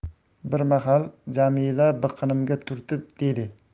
bir mahal jamila biqinimga turtib dedi